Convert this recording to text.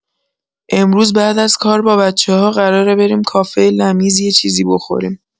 امروز بعد از کار با بچه‌ها قراره بریم کافه لمیز یه چیزی بخوریم.